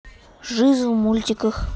жиза в мультиках